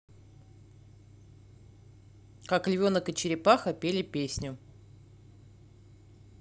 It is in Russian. как львенок и черепаха пели песню